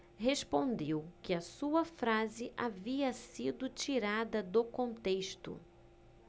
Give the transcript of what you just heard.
respondeu que a sua frase havia sido tirada do contexto